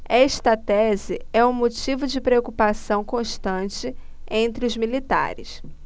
esta tese é motivo de preocupação constante entre os militares